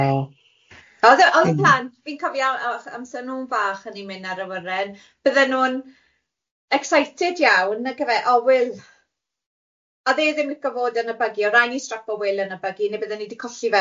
O. Odd yy odd y plant fi'n cofio o'ch amser nhw'n fach yn mynd ar awyren bydden nhw'n excited iawn nagyfe o Wil o'dd e ddim licio fod yn y buggy o raid ni strapio Wil yn y buggy neu bydden ni di colli fe.